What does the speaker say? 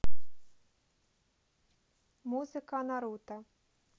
музыка наруто